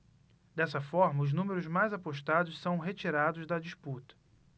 dessa forma os números mais apostados são retirados da disputa